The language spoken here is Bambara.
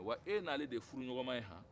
wa e n'ale de ye furujɔgɔma ye han